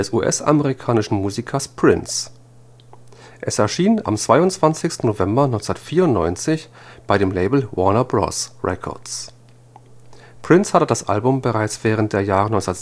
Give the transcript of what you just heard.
US-amerikanischen Musikers Prince. Es erschien am 22. November 1994 bei dem Label Warner Bros. Records. Prince hatte das Album bereits während der Jahre 1986